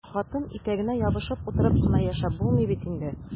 Хатын итәгенә ябышып утырып кына яшәп булмый бит инде!